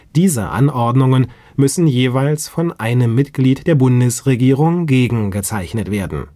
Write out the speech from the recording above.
Diese Anordnungen müssen jeweils von einem Mitglied der Bundesregierung gegengezeichnet werden